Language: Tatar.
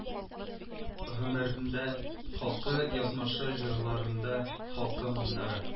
Гомерендә халкы язмышы җырларында халкы моңнары